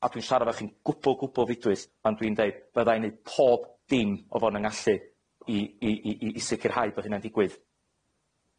a dwi'n siarad efo chi'n gwbwl gwbwl ddidwyll, pan dwi'n deud fydda i'n neud pob dim o fewn yn ngallu i i i i sicirhau bo' hynna'n digwydd.